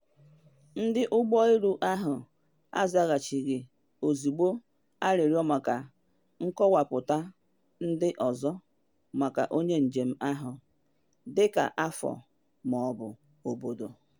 Ndị ụgbọ elu ahụ azaghachighi ozugbo arịrịọ maka nkọwapụta ndị ọzọ maka onye njem ahụ, dị ka afọ ma ọ bụ obodo.